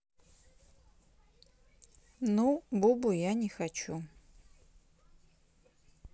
ну бубу я не хочу